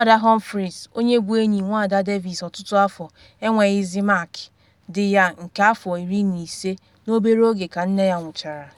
Nwada Humphreys, onye bụ enyi Nwada Davies ọtụtụ afọ, enweghịzị Mark, di ya nke afọ 15, n’obere oge ka nne ya nwụchara.